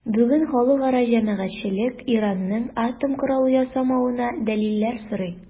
Бүген халыкара җәмәгатьчелек Иранның атом коралы ясамавына дәлилләр сорый.